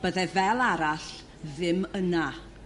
bydde fel arall ddim yna.